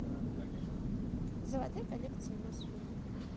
золотая коллекция мосфильма